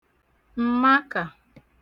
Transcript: m̀makà